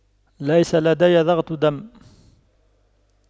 ليس لدي ضغط دم